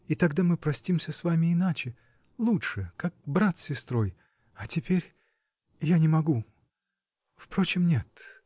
И тогда мы простимся с вами иначе, лучше, как брат с сестрой, а теперь. я не могу!. Впрочем, нет!